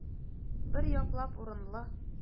Бер яклап урынлы.